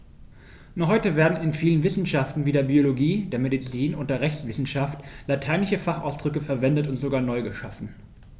Noch heute werden in vielen Wissenschaften wie der Biologie, der Medizin und der Rechtswissenschaft lateinische Fachausdrücke verwendet und sogar neu geschaffen.